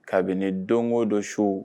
Kabini don go don su.